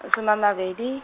a soma mabedi.